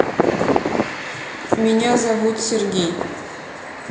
меня зовут сергей